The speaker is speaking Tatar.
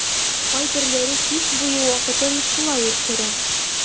Кайберләре кич буе вакытын шулай үткәрә.